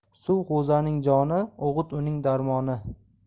suv g'o'zaning joni o'g'it uning darmoni